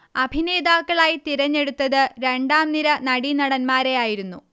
അഭിനേതാക്കളായി തിരഞ്ഞെടുത്തത് രണ്ടാംനിര നടീനടൻമാരെയായിരുന്നു